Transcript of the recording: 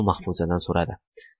mahfuzadan so'radi